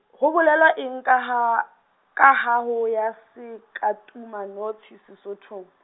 ho bolelwa eng ka ha, ka ha hoya sekatumanotshi Sesothong?